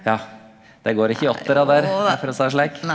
ja det går ikkje i åttarar der, for å seie det slik.